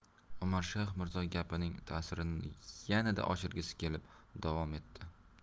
umarshayx mirzo gapining tasirini yanada oshirgisi kelib davom etdi